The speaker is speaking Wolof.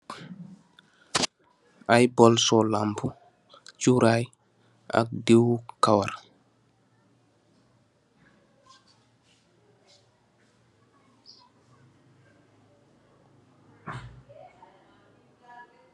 Ay bolso lampu, ak curaay ak diw kawar.